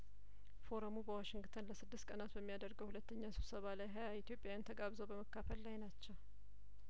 ፎረሙ በዋሽንግተን ለስድስት ቀናት በሚያደርገው ሁለተኛ ስብሰባ ላይ ሀያ ኢትዮጵያውያን ተጋብዘው በመካፈል ላይ ናቸው